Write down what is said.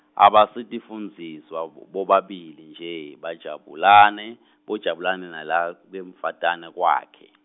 Abasitifundziswa bo- bobabili nje boJabulane boJabulane nalokwemfatana kwakhe .